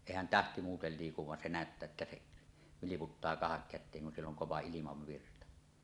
eihän tähti muuten liiku vaan se näyttää että se vilkuttaa kahdakäteen kun siellä on kova ilmavirta